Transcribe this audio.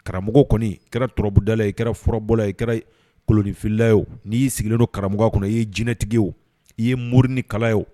Karamɔgɔ kɔni kɛra turabudala i kɛra furabɔla i kɛra koloninfila ye o n'i y'i sigilen don karamɔgɔ kɔnɔ i ye jinɛtigi o i ye mori ni kala oo